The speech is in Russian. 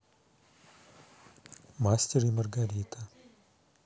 мастер и маргарита